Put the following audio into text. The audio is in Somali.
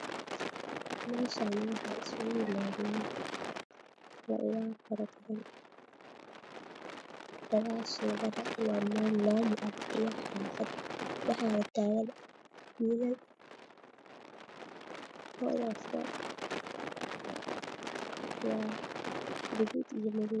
Meeshani waxaa iskugu yimaaday dad fara badan